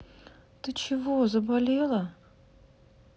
ты чего заболела